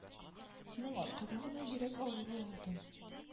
Синең аркада гына йөрәк авыруы алдым